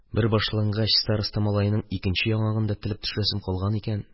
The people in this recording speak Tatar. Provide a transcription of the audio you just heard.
Бер башлагач, староста малаеның икенче яңагын да телеп төшерәсем калган икән.